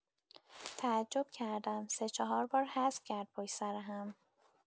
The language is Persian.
تعجب کردم سه چهار بار حذف کرد پشت‌سر هم